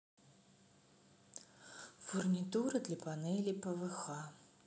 фурнитура для панелей пвх